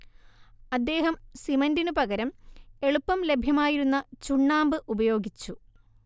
അദ്ദേഹം സിമന്റിനു പകരം എളുപ്പം ലഭ്യമായിരുന്ന ചുണ്ണാമ്പ് ഉപയോഗിച്ചു